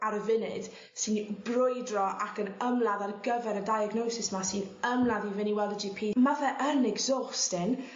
ar y funud sy' brwydro ac yn ymladd ar gyfer y diagnosis 'ma sy'n ymladd i fyn' i weld Gee Pee ma' fe yn exhausting.